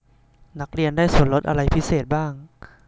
นักเรียนได้ส่วนลดอะไรพิเศษบ้าง